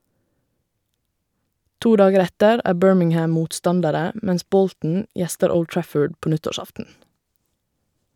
To dager etter er Birmingham motstandere, mens Bolton gjester Old Trafford på nyttårsaften.